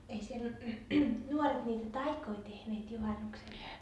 ei siellä nuoret mitä taikoja tehneet juhannuksena